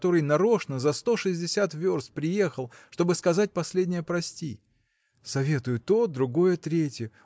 который нарочно за сто шестьдесят верст приехал чтобы сказать последнее прости! Советую то, другое, третье.